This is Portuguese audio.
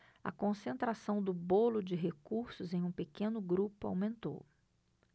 a concentração do bolo de recursos em um pequeno grupo aumentou